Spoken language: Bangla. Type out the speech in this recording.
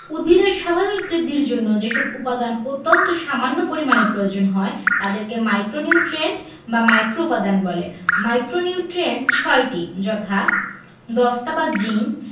উদ্ভিদের স্বাভাবিক বৃদ্ধির জন্য যেসব উপাদান অত্যন্ত সামান্য পরিমাণে প্রয়োজন হয় তাদেরকে মাইক্রোনিউট্রিয়েন্ট বা মাইক্রোউপাদান বলে মাইক্রোনিউট্রিয়েন্ট ৬টি যথা দস্তা বা জিংক